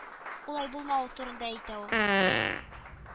Кулай булмавы турында әйтә ул